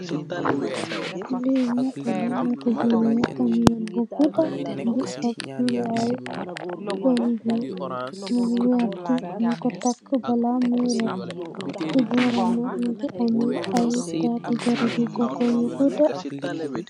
Li moto la moto bu weex kamiyun bu guda mongi eep ay barigo yu wertax nyun ko taka bala mu rott si boram nak mongi ame ay tati garab yu guda.